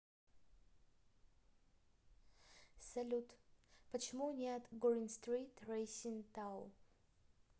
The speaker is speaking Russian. салют почему нет green street racing тау